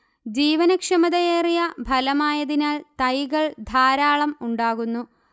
ജീവനക്ഷമതയേറിയ ഫലമായതിനാൽ തൈകൾ ധാരാളം ഉണ്ടാകുന്നു